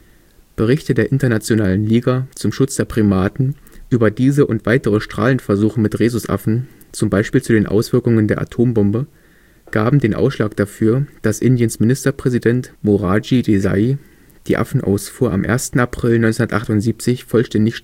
Berichte der „ Internationalen Liga zum Schutz der Primaten “über diese und weitere Strahlenversuche mit Rhesusaffen, z. B. zu den Auswirkungen der Atombombe, gaben den Ausschlag dafür, dass Indiens Ministerpräsident Morarji Desai die Affenausfuhr am 1. April 1978 vollständig stoppte